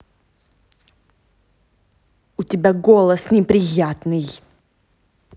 у тебя голос неприятный